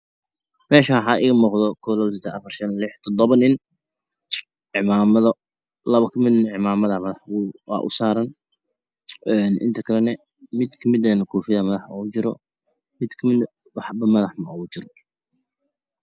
Meeshan waxaa iiga muuqdo 1 2 3 4 5 6 7 nin cimaamado laba kamida cimaamado madaxa usaraan inta kala mid kamida koofi aa madaxa oogu jiro midkamidne waxbo madaxa ma ugu jiro